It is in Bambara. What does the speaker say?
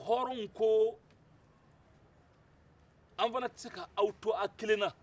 hɔrɔn ko an fɛnɛ tɛ se k'aw tɔ aw kelenna